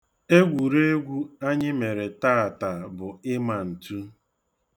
Egwuregwu anyị mere taata bụ ịma ntu